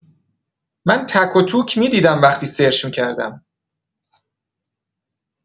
من تک و توک می‌دیدم وقتی سرچ می‌کردم.